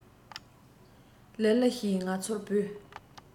ལི ལི ཞེས ང ཚོར བོས